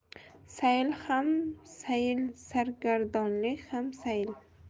sayil ham sayil sargardonlik ham sayil